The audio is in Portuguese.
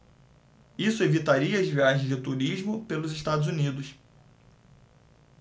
isso evitaria as viagens de turismo pelos estados unidos